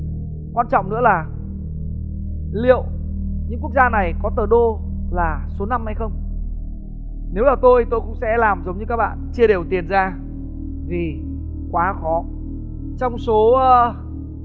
quan trọng nữa là liệu những quốc gia này có tờ đô là số năm hay không nếu là tôi tôi cũng sẽ làm giống như các bạn chia đều tiền ra vì quá khó trong số ơ